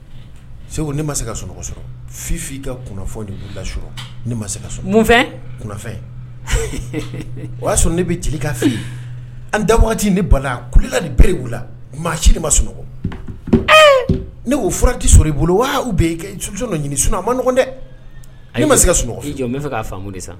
Segu ne ma se ka sunɔgɔ sɔrɔ fifin i kafɔ ne ma ka o y'a sɔrɔ ne bɛ jeli ka fɛ an da waati ne bala kula de bere la maa si de ma sunɔgɔ ne'o fura tɛ sɔrɔ i bolo wa bɛ ɲini a manɔgɔn dɛ ani ma se ka sunɔgɔ fɛ k kaa faamu sa